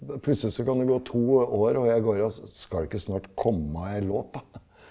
plutselig så kan det gå to år og jeg går og skal det ikke snart komme ei låt da?